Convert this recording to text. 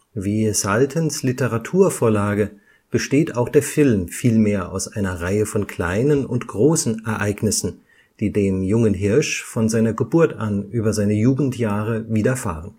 Wie Saltens Literaturvorlage besteht auch der Film vielmehr aus einer Reihe von kleinen und großen Ereignissen, die dem jungen Hirsch von seiner Geburt an über seine Jugendjahre widerfahren